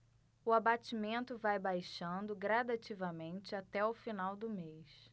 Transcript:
o abatimento vai baixando gradativamente até o final do mês